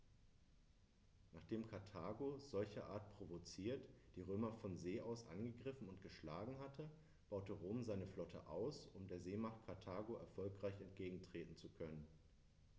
Nachdem Karthago, solcherart provoziert, die Römer von See aus angegriffen und geschlagen hatte, baute Rom seine Flotte aus, um der Seemacht Karthago erfolgreich entgegentreten zu können.